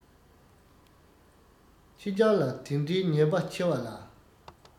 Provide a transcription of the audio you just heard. ཕྱི རྒྱལ ལ འདི གྲའི ཉན པ ཆེ བ ལ